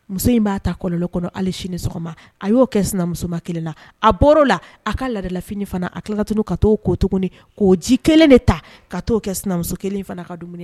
Muso in b'a ta kɔlɔnlɔ kɔnɔ hali sini sɔgɔma a y'o kɛ sinamuso kelen la a bɔra la a ka lalafiniinin fana a tila kat ka' o ko tuguni' ji kelen de ta ka' kɛ sinamuso kelen ka